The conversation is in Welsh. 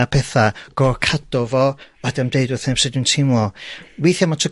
a petha gor'o' cadw fo a dim deud wrthyn nw sud dwi'n teimlo, weithia' am y tro